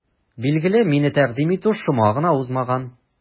Билгеле, мине тәкъдим итү шома гына узмаган.